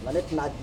Wa ne ten'a d